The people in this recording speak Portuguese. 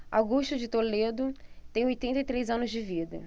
augusto de toledo tem oitenta e três anos de vida